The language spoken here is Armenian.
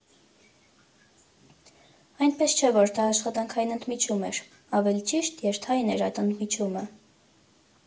Այնպես չէ, որ դա աշխատանքային ընդմիջում էր, ավելի ճիշտ՝ երթային էր այդ ընդմիջումը։